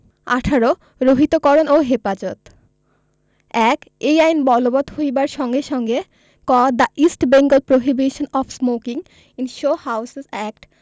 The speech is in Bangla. ১৮ রহিতকরণ ও হেফাজত ১ এই আইন বলবৎ হইবার সংগে সংগেঃ ক the East Bengal prohibition of smoking in show houses act